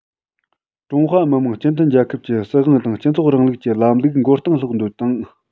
ཀྲུང ཧྭ མི དམངས སྤྱི མཐུན རྒྱལ ཁབ ཀྱི སྲིད དབང དང སྤྱི ཚོགས རིང ལུགས ཀྱི ལམ ལུགས མགོ རྟིང སློག འདོད དང